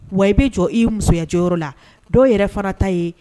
Wa i bɛ jɔ i musoya jɔyɔrɔ la dɔw yɛrɛ fana ta ye